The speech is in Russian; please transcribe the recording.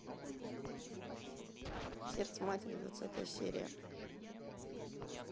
сердце матери двадцатая серия